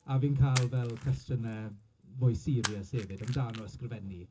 A fi'n cael fel cwestiynnau mwy serious hefyd amdano ysgrifennu.